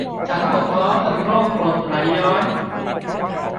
ฉันปวดท้องเป็นโรคกรดไหลย้อน